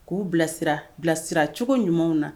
K'u bilasira bilasira cogo ɲumanw na